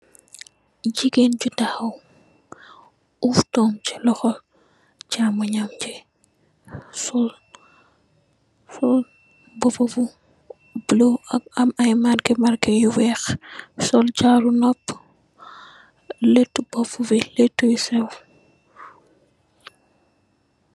Jigeen gu taxaw oof dom si loxo cxamunam bi sol mbubu bu bulu ak ay marke marke yu weex sol jaaru noppa lato bopa bi latti yu sew.